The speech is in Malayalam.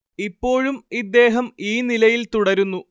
ഇപ്പോഴും ഇദ്ദേഹം ഈ നിലയില്‍ തുടരുന്നു